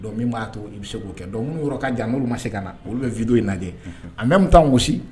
Dɔnku min b'a to i bɛ se k'o kɛ dɔn yɔrɔ kaa jan n olu ma se ka na olu bɛ fi in lajɛ a bɛ taa gosi